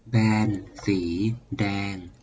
แบนสีแดง